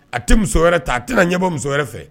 A tɛ muso wɛrɛ ta a taara ɲɛbɔ muso wɛrɛ fɛ